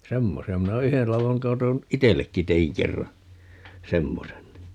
semmoisia minä - yhden ladon katon itsellekin tein kerran semmoisen niin